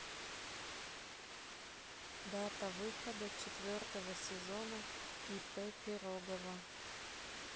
дата выхода четвертого сезона ип пирогова